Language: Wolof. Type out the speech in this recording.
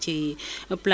nga ñëwaat ci rek